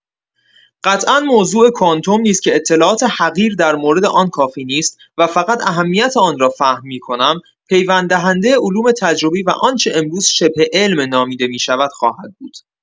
قطعا موضوع کوانتوم نیز که اطلاعات حقیر در مورد آن کافی نیست و فقط اهمیت آن را فهم می‌کنم، پیوند دهنده علوم تجربی و آنچه امروز شبه‌علم نامیده می‌شود خواهد بود.